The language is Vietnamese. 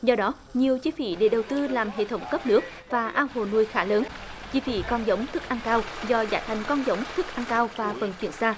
do đó nhiều chi phí để đầu tư làm hệ thống cấp nước và ao hồ nuôi khá lớn chi phí con giống thức ăn cao do giá thành con giống thức ăn cao và vận chuyển xa